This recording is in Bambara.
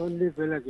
Anw den bɛgin